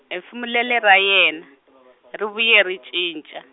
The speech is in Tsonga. hefemulela ra yena, ri vuye ri cinca.